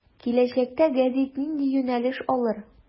Киләчәктә гәзит нинди юнәлеш алыр.